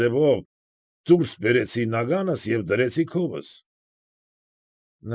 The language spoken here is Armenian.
Ձևով դուրս բերեցի նագանս և դրեցի քովս։